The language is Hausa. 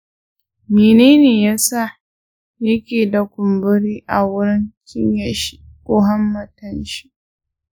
mene yasa yake da kumburi a wurin cinyanshi ko hammatanshi?